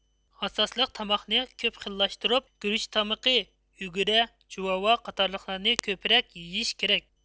ئاساسلىق تاماقنى كۆپ خىللاشتۇرۇپ گۈرۈچ تامىقى ئۈگرە جۇۋاۋا قاتارلىقلارنى كۆپرەك يىيىش كىرەك